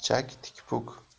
xil chak tikpuk